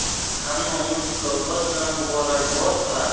hamma uni mukofot bilan muborakbod qiladi